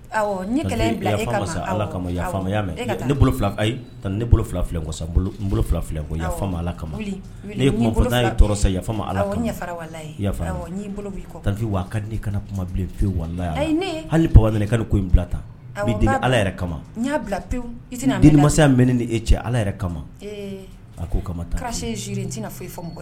Mɛn ne ne bolo ala ne waka n' kana kuma wa hali baba ko bila tan ala yɛrɛ kama masaya bɛ nin ni e cɛ ala yɛrɛ kama a kama